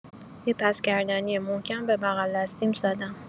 یه پس‌گردنی محکم به بقل‌دستیم زدم.